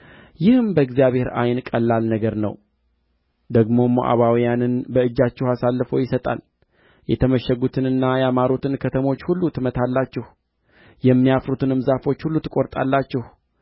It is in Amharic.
በዚህ ሸለቆ ሁሉ ጕድጓድ ቆፈሩ እግዚአብሔርም እንዲህ ይላል ነፋስ አታዩም ዝናብም አታዩም ይህ ሸለቆ ግን ውኃ ይሞላል እናንተም ከብቶቻችሁም እንስሶቻችሁም ትጠጣላችሁ